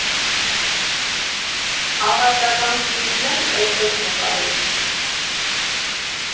Ավարտական ֆիլմն էլ էդպես նկարեց.